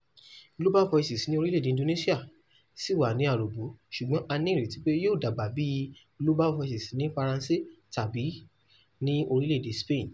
Global Voices ní orílẹ̀-èdè Indonesia sì wà ní aròbó ṣùgbọ́n a ní ìrètí pé yóò dàgbà bíi Global Voices ní Faransé tàbí ní orílẹ̀ èdè Spain.